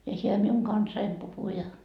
ja siellä minun kanssani puhui ja